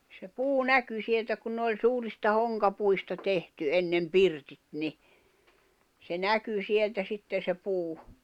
se puu näkyi sieltä kun ne oli suurista honkapuista tehty ennen pirtit niin se näkyi sieltä sitten se puu